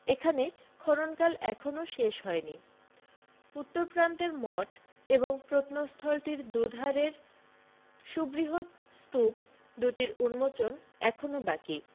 এখানে খননকার্য এখনও শেষ হয়নি উত্তর প্রান্তের মঠ এবং প্রত্নস্থলটির দুধারের সুবৃহৎ স্তূপ দুটির উন্মোচন এখনও বাকি